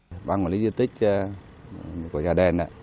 ban quản lý di tích a của nhà đền á